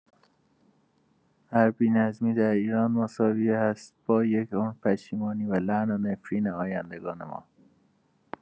هر بی‌نظمی در ایران مساوی هست با یک عمر پشیمانی و لعن و نفرین آیندگان ما